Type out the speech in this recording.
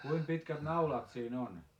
kuinka pitkät naulat siinä on